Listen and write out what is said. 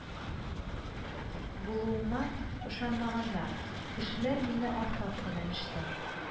Булуыма» ышанмаганнар, кешеләр мине ансат кына эштә